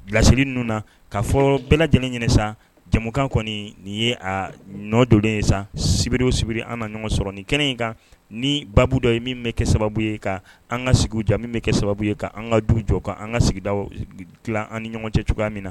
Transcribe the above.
Bilasiri ninnu na ka fɔ bɛɛ lajɛlen ɲini san jamukan kɔni nin ye a ɲɔ dɔden ye san sibidon sibi an ka ɲɔgɔn sɔrɔ ni kɛnɛ in kan ni ba dɔ ye min bɛ kɛ sababu ye ka an ka sigi jɔ min bɛ kɛ sababu ye ka an ka du jɔ kan an ka sigida an ni ɲɔgɔn cɛ cogoya min na